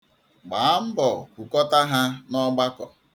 Gbaa mbọ kwukọta ha n'ọgbakọ.